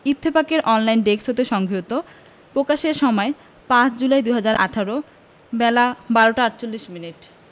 ইত্তফাকের online desk হতে সংগৃহীত পকাশের সময় ৫ জুলাই ২০১৮ বেলা১২টা ৪৮ মিনিট